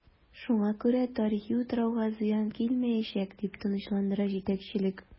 Шуңа күрә тарихи утрауга зыян килмиячәк, дип тынычландыра җитәкчелек.